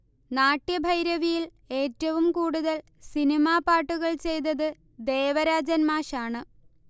നാട്യഭൈരവിയിൽ ഏറ്റവും കൂടുതൽ സിനിമാ പാട്ടുകൾ ചെയ്തത് ദേവരാജൻ മാഷാണ്